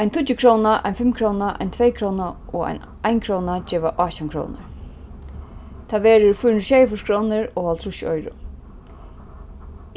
ein tíggjukróna ein fimmkróna ein tveykróna og ein einkróna geva átjan krónur tað verður fýra hundrað og sjeyogfýrs krónur og hálvtrýss oyru